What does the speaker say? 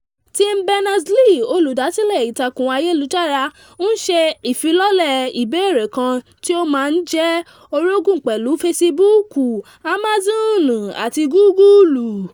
Tim Berners-Lee, olùdásílẹ̀ Ìtàkùn ayélujára, ń ṣe ifilọ́lẹ̀ ìbẹ̀rẹ̀ kan tí ó máa jẹ́ orogún pẹ̀lú Facebook, Amazon àti Google.